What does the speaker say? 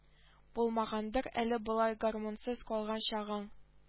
Булмагандыр әле болай гармунсыз калган чагың